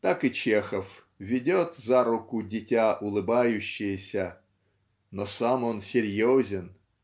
Так и Чехов ведет за руку дитя улыбающееся, но сам он серьезен